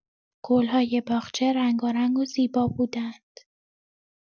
گل‌های باغچه رنگارنگ و زیبا بودند.